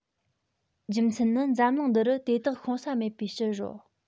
རྒྱུ མཚན ནི འཛམ གླིང འདི རུ དེ དག ཤོང ས མེད པའི ཕྱིར རོ